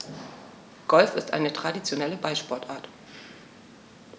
Golf ist eine traditionelle Ballsportart.